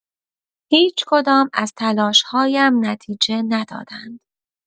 هیچ‌کدام از تلاش‌هایم نتیجه ندادند.